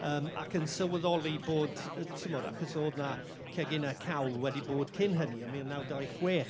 yym ac yn sylweddoli bod yy timod achos oedd 'na ceginau cawl wedi bod cyn hynny, ym mil naw dau chwech.